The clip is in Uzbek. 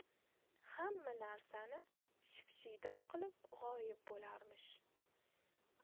hamma narsani ship shiydon qilib g'oyib bo'larmish